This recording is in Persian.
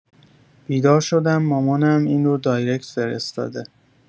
بیدار شدم مامانم این رو دایرکت فرستاده